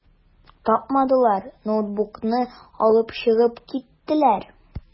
Тапмадылар, ноутбукны алып чыгып киттеләр.